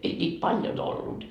ei niitä paljon ollut